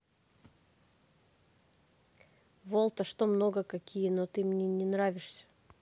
волта что много какие но ты мне не нравишься